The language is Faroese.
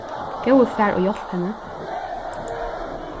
góði far og hjálp henni